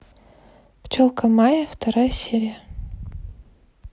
пчелка майя вторая серия